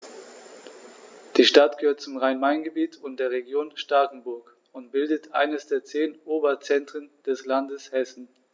Die Stadt gehört zum Rhein-Main-Gebiet und der Region Starkenburg und bildet eines der zehn Oberzentren des Landes Hessen.